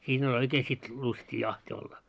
siinä oli oikein sitten lystiä jahti olla